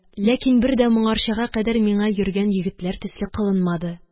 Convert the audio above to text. Ләкин бер дә моңарчага кадәр миңа йөргән егетләр төсле кылынмады,